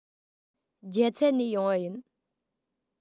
རྒྱ ཚ ནས ཡོང བ ཡིན